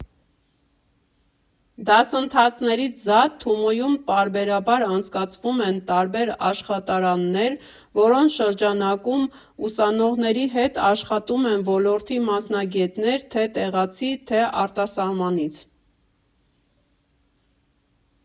Դասընթացներից զատ Թումոյում պարբերաբար անցկացվում են տարբեր աշխատարաններ, որոնց շրջանակում ուսանողների հետ աշխատում են ոլորտի մասնագետներ թե՛ տեղացի, թե՛ արտասահմանից։